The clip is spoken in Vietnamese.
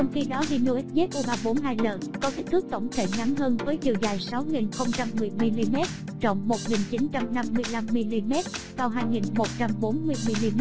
trong khi đó hino xzu l có kích thước tổng thể ngắn hơn với chiều dài mm rộng mm cao mm